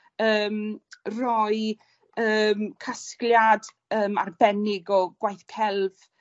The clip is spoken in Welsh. yym roi yym casgliad yym arbennig o gwaith celf